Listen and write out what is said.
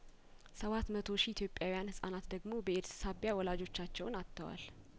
ሰባት መቶ ሺህ ኢትዮጵያውያን ህጻናት ደግሞ በኤድስ ሳቢያ ወላጆቻቸውን አጥተዋል